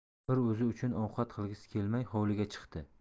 bir o'zi uchun ovqat qilg'isi kelmay hovliga chiqdi